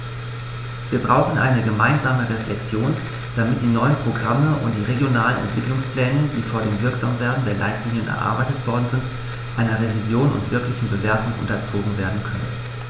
Wir brauchen eine gemeinsame Reflexion, damit die neuen Programme und die regionalen Entwicklungspläne, die vor dem Wirksamwerden der Leitlinien erarbeitet worden sind, einer Revision und wirklichen Bewertung unterzogen werden können.